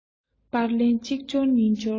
པར ལན གཅིག འབྱོར གཉིས འབྱོར